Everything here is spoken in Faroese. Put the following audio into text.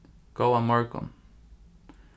góðan morgun